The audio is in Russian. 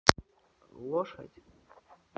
лошадь